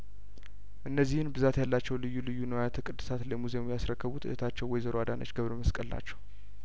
እነዚህን ብዛት ያላቸው ልዩ ልዩንዋያተ ቅድሳት ለሙዚየሙ ያስረከቡት እህታቸው ወይዘሮ አዳነች ገብረመስቀል ናቸው